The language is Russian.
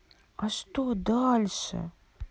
а что дальше